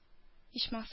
Ичмасам